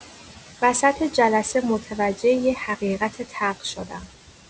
وسط جلسه متوجه یه حقیقت تلخ شدم.